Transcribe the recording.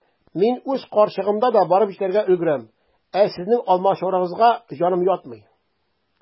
Мин үз карчыгымда да барып җитәргә өлгерәм, ә сезнең алмачуарыгызга җаным ятмый.